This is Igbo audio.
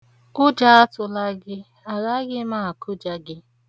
Ụjọ atụla gị, agaghị m akụja gị.